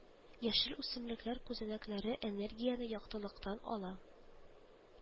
Яшел үсемлекләр күзәнәкләре энергияне яктылыктан ала